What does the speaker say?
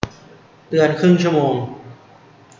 เตือนครึ่งชั่วโมง